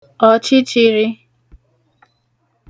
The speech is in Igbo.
ọ̀chịchịrị̄